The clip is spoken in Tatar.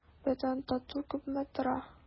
Бөтен тату күпме тора?